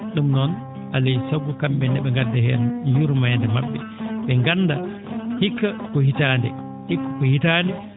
?um noon alaa e sago kam?e ne ?e ngadda heen yurmeende ma??e ?e ngannda hikka ko hitaande hikka ko hitaande